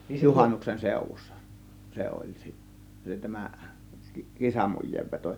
juhannuksen seudussa se oli - tämä kisamujeenveto